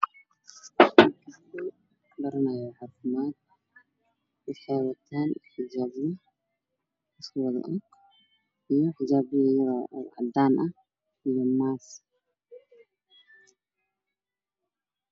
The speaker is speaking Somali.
Waa gabdho waxbaranayaan waxay qabaan xijaabo caddays miisaas ayaa hor yaalo ka dambeeya waa guduud iyo jaal o